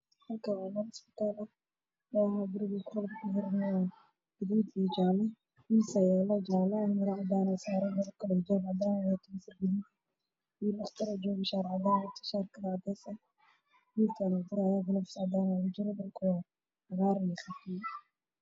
Waa barreefad caafimaad lagu baranaayo loo wiil ayaa muuqato mid uu taagan yahay wato dharaacdaan ah midda u fadhiyo